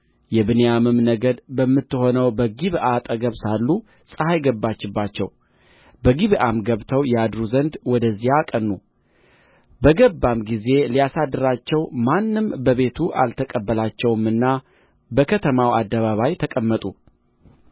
የብንያምም ነገድ በምትሆነው በጊብዓ አጠገብ ሳሉ ፀሐይ ገባችባቸው በጊብዓም ገብተው ያድሩ ዘንድ ወደዚያ አቀኑ በገባም ጊዜ ሊያሳድራቸው ማንም በቤቱ አልተቀበላቸውምና በከተማው አደባባይ ተቀመጡ